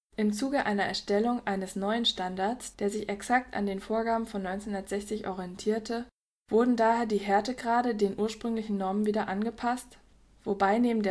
Im Zuge einer Erstellung eines neuen Standards, der sich exakt an den Vorgaben von 1960 orientierte, wurden daher die Härtegrade den ursprünglichen Normen wieder angepasst, wobei neben